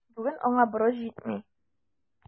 Бүген аңа борыч җитми.